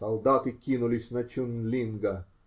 Солдаты кинулись на Чун-Линга.